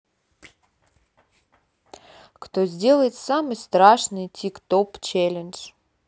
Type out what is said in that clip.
кто сделает самый страшный тик топ челлендж